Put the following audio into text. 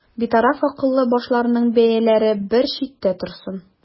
Битараф акыллы башларның бәяләре бер читтә торсын.